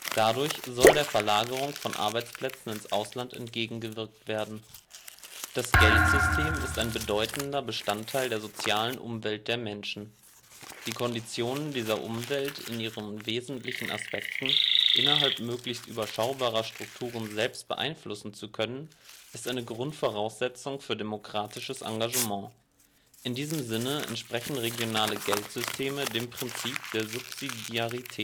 Dadurch soll der Verlagerung von Arbeitsplätzen ins Ausland entgegengewirkt werden. Das Geldsystem ist ein bedeutender Bestandteil der sozialen Umwelt der Menschen. Die Konditionen dieser Umwelt in ihren wesentlichen Aspekten innerhalb möglichst überschaubarer Strukturen selbst beeinflussen zu können, ist eine Grundvoraussetzung für demokratisches Engagement. In diesem Sinn entsprechen regionale Geldsysteme dem Prinzip der Subsidiarität